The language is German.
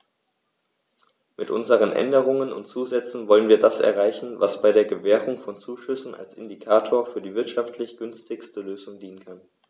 Mit unseren Änderungen und Zusätzen wollen wir das erreichen, was bei der Gewährung von Zuschüssen als Indikator für die wirtschaftlich günstigste Lösung dienen kann.